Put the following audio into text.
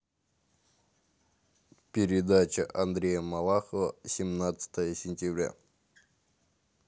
передача андрея малахова семнадцатое сентября